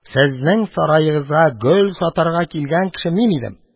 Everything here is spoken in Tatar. Сезнең сараегызга гөл сатарга килгән кеше мин идем.